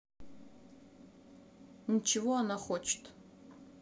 ничего она хочет